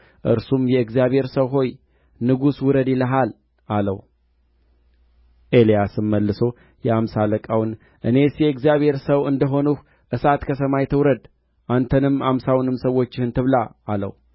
በወገቡም ጠፍር ታጥቆ ነበር አሉት እርሱም ቴስብያዊው ኤልያስ ነው አለ ንጉሡም የአምሳ አለቃውን ከአምሳ ሰዎች ጋር ሰደደ ወደ እርሱም ወጣ እነሆም በተራራ ራስ ላይ ተቀምጦ ነበር